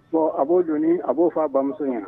Bon a b'o don ni a b'o fɔ a bamuso ɲɛna